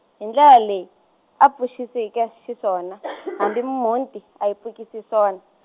hi ndlela leyi, a pfukiseke xiswona hambi mhunti a yi pfukisi swon-.